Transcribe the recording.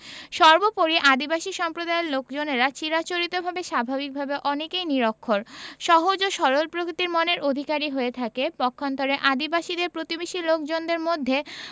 সর্বপরি আদিবাসী সম্প্রদায়ের লোকজনেরা চিরাচরিতভাবে স্বাভাবিকভাবে অনেকেই নিরক্ষর সহজ ও সরল প্রকৃতির মনের অধিকারী হয়ে থাকে পক্ষান্তরে আদিবাসীদের প্রতিবেশী লোকজনদের মধ্যে